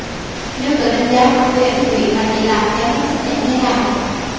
nếu tự đánh giá công ty ánh việt mà chị làm giám đốc xếp hạng thế nào